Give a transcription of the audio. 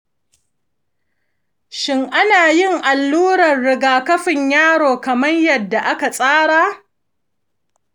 shin anayin allurar rigakafin yaron kamar yadda aka tsara?